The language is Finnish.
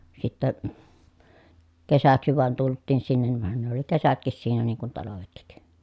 sitten kesäksi vain tultiin sinne niin vaan ne oli kesätkin siinä niin kuin talvetkin